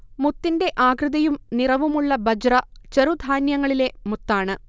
മുത്തിന്റെ ആകൃതിയും നിറവുമുള്ള ബജ്റ ചെറുധാന്യങ്ങളിലെ മുത്താണ്